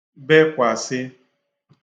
bekwàsị